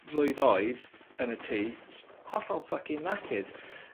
flwydd oed, yn y tŷ. Hollol fuckin knakered.